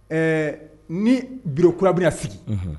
Ɛɛ ni b kura bɛ sigi